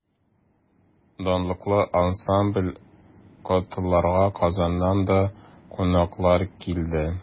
Данлыклы ансамбльне котларга Казаннан да кунаклар килде.